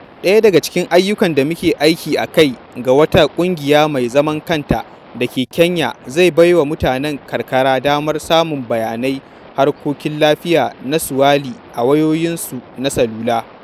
Ɗaya daga cikin ayyukan da muke aiki a kai ga wata ƙungiya mai zaman kanta da ke Kenya zai baiwa mutanen karkara damar samun bayanan harkokin lafiya na Swahili a wayoyinsu na salula.